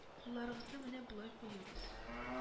- кулларыгызны менә болай куегыз